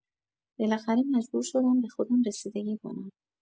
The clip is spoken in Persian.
بالاخره مجبور شدم به خودم رسیدگی کنم.